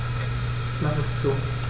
Ich mache es zu.